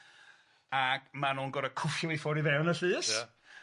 Ac ma' nw'n gor'o' cwffio 'u ffor i fewn y llys. Ia.